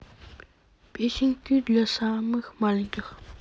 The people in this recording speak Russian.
песенки для самых маленьких